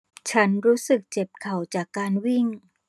ฉันรู้สึกเจ็บเข่าจากการวิ่ง